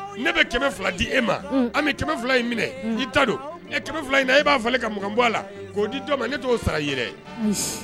Ne bɛ 1000 di e ma Ami, 1000 in minɛ i ta don ɛ 1000 in na e b'a falen ka mukan bɔ a la k'o di dɔ ma ne t'o sara i ye dɛ.